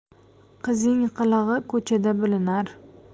qizining qilig'i ko'chada bilinar